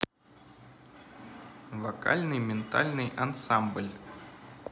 вокальный ментальный ансамбль